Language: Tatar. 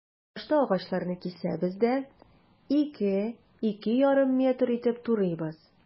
Башта агачларны кисәбез дә, 2-2,5 метр итеп турыйбыз.